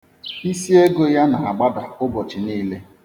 Isiego ya na-agbada ụbọchi niile.